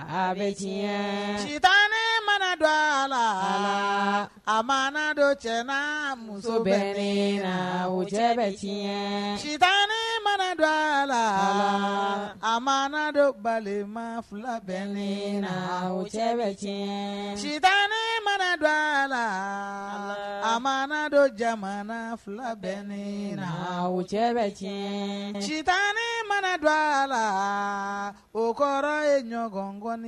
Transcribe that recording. A mana dɔ a la a ma dɔ cɛ muso bɛ ne o cɛ bɛ ci mana dɔ a la a ma dɔ balima fila bɛ ne wo cɛ bɛ cɛ ci mana dɔ a la a mana don jamana fila bɛ ne o cɛ bɛ tiɲɛ ci tan mana don a la o kɔrɔ ye ɲɔgɔn